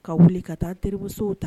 Ka wuli ka taa terimusow ta